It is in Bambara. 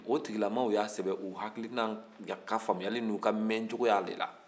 o tigilamɔgɔw y'a sɛbɛn u hakilina ka faamuyali n'u ka mɛncogo de la